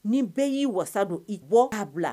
Nin bɛɛ y'i wasa don i bɔ k'a bila